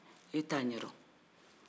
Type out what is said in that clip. e t'a ɲɛdɔn